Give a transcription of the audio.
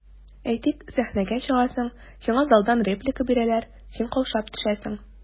Әйтик, сәхнәгә чыгасың, сиңа залдан реплика бирәләр, син каушап төшәсең.